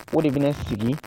O de be ne sigi